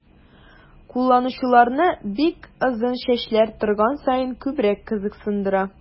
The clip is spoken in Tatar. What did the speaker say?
Кулланучыларны бик озын чәчләр торган саен күбрәк кызыксындыра.